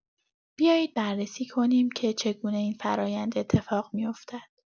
بیایید بررسی کنیم که چگونه این فرایند اتفاق می‌افتد.